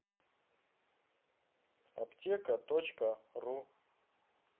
аптека точка ру